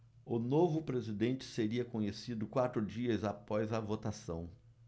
o novo presidente seria conhecido quatro dias após a votação